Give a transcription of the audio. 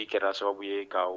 I kɛra sababu ye kan